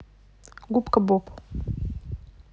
губка боб